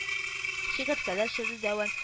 Чикерткәләр черелдәвен